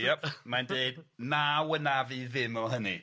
Ie mae'n deud na wynaf i ddim o hynny.